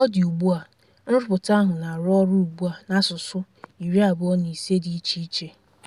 Ka ọ dị ugbu a, nrụpụta ahụ na-arụ ọrụ ugbu a n'asụsụ 25 dị iche iche.